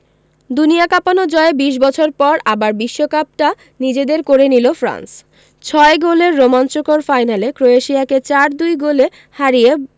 দুনিয়া কাঁপানো জয়ে ২০ বছর পর আবার বিশ্বকাপটা নিজেদের করে নিল ফ্রান্স ছয় গোলের রোমাঞ্চকর ফাইনালে ক্রোয়েশিয়াকে ৪ ২ গোলে হারিয়ে